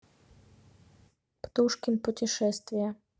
птушкин путешествия